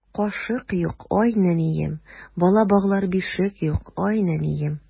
Кашык юк, ай нәнием, Бала баглар бишек юк, ай нәнием.